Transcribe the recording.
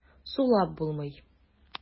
Сулап булмый.